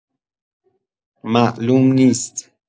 معلوم نیست